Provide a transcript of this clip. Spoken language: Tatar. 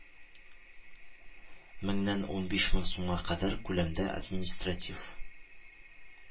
Меңнән унбиш мең сумга кадәр күләмдә административ